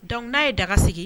Dɔnku n'a ye daga sigi